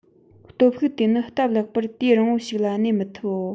སྟོབས ཤུགས དེ ནི སྟབས ལེགས པར དུས རིང པོ ཞིག ལ གནས མི ཐུབ བོ